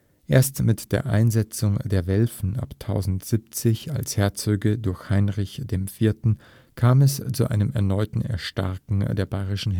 Erst mit der Einsetzung der Welfen ab 1070 als Herzöge durch Heinrich IV. kam es zu einem erneuten Erstarken der bayerischen